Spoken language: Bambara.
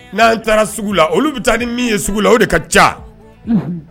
N'an taara sugu la olu bɛ taa ni min ye sugu la o de ka ca